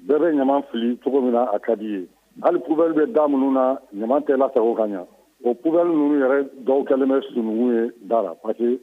Bɛɛ bɛ ɲama fili cogo min na a kadi ye hali kubali bɛ da minnu na ɲama tɛ la ta o ka ɲɛ o kuubaw ninnu yɛrɛ dɔw kɛlenmɛ ssun ye da la pa